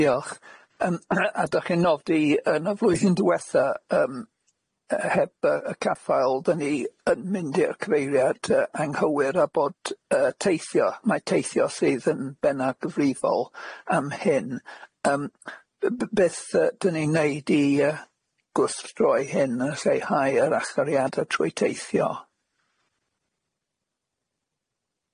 Diolch yym yy a dach chi'n nodi yn y flwyddyn diwetha yym yy heb yy y caffael dyn ni yn mynd i'r cyfeiriad yy anghywir a bod yy teithio mae teithio sydd yn benar gyfrifol am hyn yym b- b- beth yy dyn ni'n neud i yy gwrthdroi hyn yn lleihau yr achariadau trwy teithio?